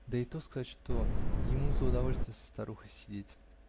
да и то сказать, что ему за удовольствие с старухой сидеть?